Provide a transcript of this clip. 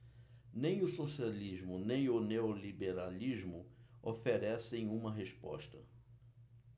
nem o socialismo nem o neoliberalismo oferecem uma resposta